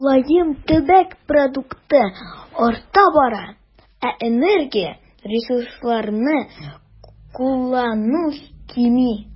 Тулаем төбәк продукты арта бара, ә энергия, ресурсларны куллану кими.